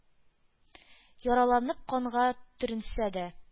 Яраланып канга төренсә дә,